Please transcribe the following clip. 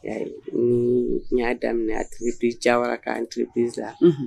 Ni y'a daminɛ a tile jayara k'an tileti sisan